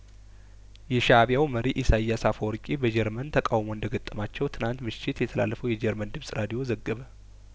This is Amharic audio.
የሻእቢያው መሪ ኢሳያስ አፈወርቂ በጀርመን ተቃውሞ እንደገጠማቸው ትናንት ምሽት የተላለፈው የጀርመን ድምጽ ራዲዮ ዘገበ